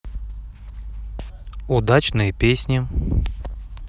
удачные песни